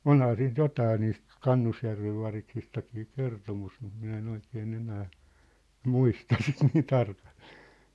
onhan siitä jotakin niistä Kannusjärven variksistakin kertomus mutta minä en oikein enää muista sitä niin tarkalleen